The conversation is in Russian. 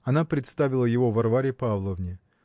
Она представила его Варваре Павловне